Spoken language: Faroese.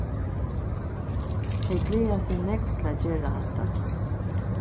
tey gleða seg nógv til at gera hatta